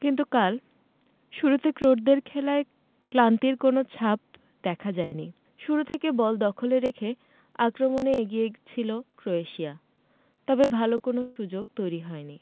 কিন্তু কাল শুরুতে ক্রোটদের খেলায় ক্লান্তির কোনো ছাপ দেখা যায়নি শুরু থেকে বল দখলে রেখে আক্রমণে এগিয়ে ছিল ক্রোয়েশিয়া তবে ভালো কোনো সুযোগ তৈরি হয়নি